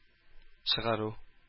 Чыгару